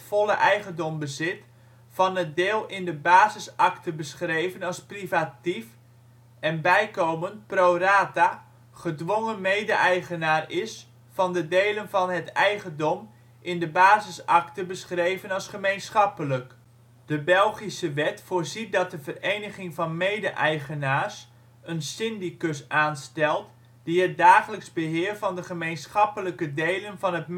volle eigendom bezit van het deel in de basisakte beschreven als " privatief " en bijkomend pro-rata gedwongen mede-eigenaar is van de delen van de eigendom in de basisakte beschreven als " gemeenschappelijk ". De Belgische wet voorziet dat de Vereniging van Mede-eigenaars (VME) een syndicus aanstelt die het dagelijks beheer van de gemeenschappelijke delen van de mede-eigendom